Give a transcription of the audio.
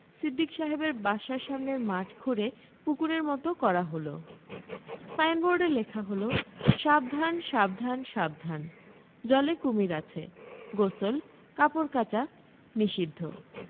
সিদ্দিক সাহেবের বাসার সামনের মাঠ খুঁড়ে পুকুরের মত করা হল সাইনবোর্ডে লেখা হল সাবধান সাবধান সাবধান জলে কুমীর আছে গোসল কাপড় কাচা নিষিদ্ধ